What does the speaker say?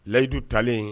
Layidu talen